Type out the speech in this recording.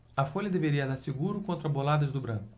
a folha devia dar seguro contra boladas do branco